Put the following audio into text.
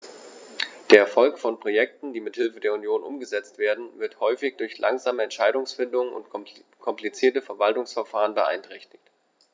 Der Erfolg von Projekten, die mit Hilfe der Union umgesetzt werden, wird häufig durch langsame Entscheidungsfindung und komplizierte Verwaltungsverfahren beeinträchtigt.